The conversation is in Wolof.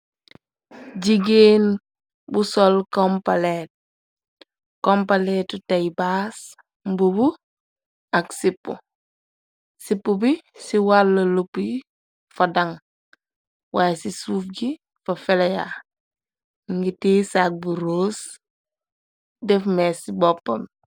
Jigeen bu sol kompaleet, kompaleetu tey baas mbubu ak sipp, sipu bi ci wàlla lupi bi fa dang waye ci suuf gi fa feleya. Mingi tiyee sàg bu ros, def mees ci boppam.